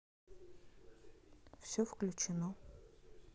все включено